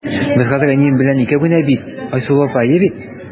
Без хәзер әнием белән икәү генә бит, Айсылу апа, әйе бит?